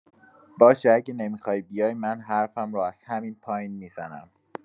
باشه، اگه نمی‌خوای بیای، من حرفم رو از همین پایین می‌زنم.